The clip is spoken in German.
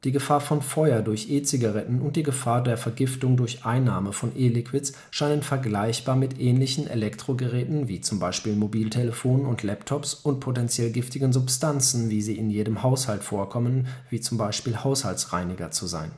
Gefahr von Feuer durch E-Zigaretten und die Gefahr der Vergiftung durch Einnahme von E-Liquids scheinen vergleichbar mit ähnlichen Elektrogeräten (z.B. Mobiltelefonen und Laptops) und potenziell giftigen Substanzen, wie sie in jedem Haushalt vorkommen (z.B. Haushaltsreiniger), zu sein